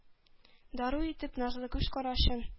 Дару итеп назлы күз карашын,